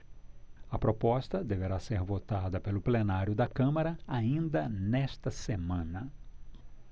a proposta deverá ser votada pelo plenário da câmara ainda nesta semana